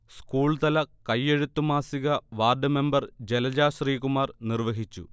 സ്കൂൾതല കയെഴുത്തു മാസിക ward member Jalaja Sreekumar നിർവഹിച്ചു